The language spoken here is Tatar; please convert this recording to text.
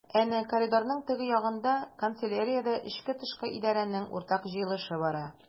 Әнә коридорның теге ягында— канцеляриядә эчке-тышкы идарәнең уртак җыелышы бара.